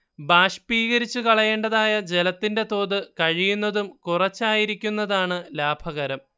ബാഷ്പീകരിച്ചുകളയേണ്ടതായ ജലത്തിന്റെ തോത് കഴിയുന്നതും കുറച്ചായിരിക്കുന്നതാണ് ലാഭകരം